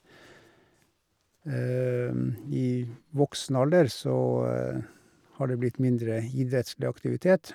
I voksen alder så har det blitt mindre idrettslig aktivitet.